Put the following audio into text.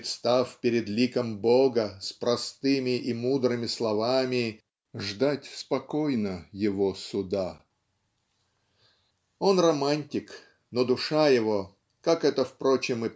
представ перед ликом Бога С простыми и мудрыми словами Ждать спокойно его суда. Он романтик но душа его (как это впрочем